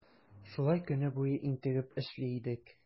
Шулай көне буе интегеп эшли идек.